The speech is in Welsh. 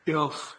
Diolch.